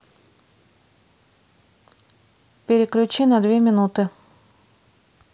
переключи на две минуты